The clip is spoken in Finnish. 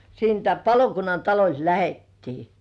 siitä palokunnan talolta lähdettiin